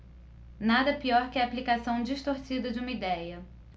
nada pior que a aplicação distorcida de uma idéia